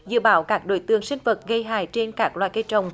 dử bảo cảng đối tượng sinh vật gây hải trên cảng loải cây trồng